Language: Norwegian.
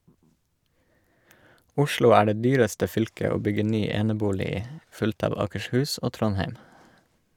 Oslo er det dyreste fylket å bygge ny enebolig i, fulgt av Akershus og Trondheim.